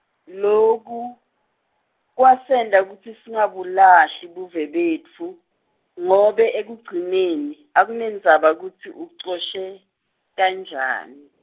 loku, kwasenta kutsi singabulahli buve betfu, ngobe ekugcineni, akunendzaba kutsi ucoshe, kanjani.